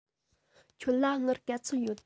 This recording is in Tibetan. ཁྱོད ལ དངུལ ག ཚོད ཡོད